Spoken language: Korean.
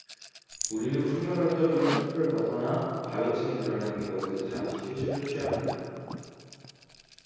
우리는 숨을 헐떡이며 숲을 벗어나 바위층이 드러나 있는 곳에서 잠시 휴식을 취합니다